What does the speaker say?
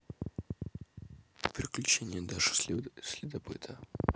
приключения даши следопыта